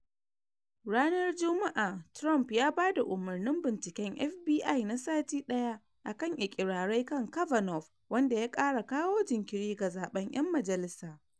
Ranar Juma’a, Trump ya bada umarnin binciken FBI na sati daya, akan ikirarai kan Kavanaugh, wanda ya kara kawo jinkiri ga zaben Yan Majalisa.